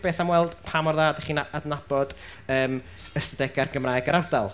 beth am weld pa mor dda rydych chi'n adnabod ystadegau'r Gymraeg ar ardal.